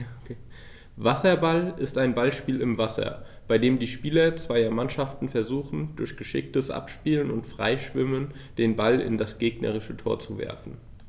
Wasserball ist ein Ballspiel im Wasser, bei dem die Spieler zweier Mannschaften versuchen, durch geschicktes Abspielen und Freischwimmen den Ball in das gegnerische Tor zu werfen.